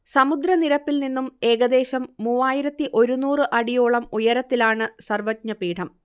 സമുദ്രനിരപ്പിൽ നിന്നും ഏകദേശം മൂവായിരത്തി ഒരുനൂറ്‌ അടിയോളം ഉയരത്തിലാണ് സർവ്വജ്ഞപീഠം